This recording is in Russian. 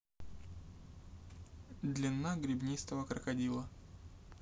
длина гребнистого крокодила